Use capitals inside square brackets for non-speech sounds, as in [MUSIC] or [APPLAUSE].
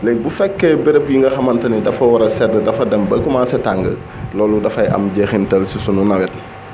léegi bu fekkee béréb yi nga xamante ni dafa war a sedd dafa dem ba commencé tàng [NOISE] loolu dafay am jeexintal si sunu nawet